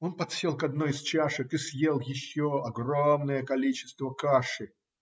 Он подсел к одной из чашек и съел еще огромное количество каши.